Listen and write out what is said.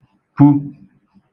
pu